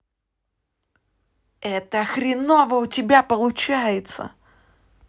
это хреново у тебя получается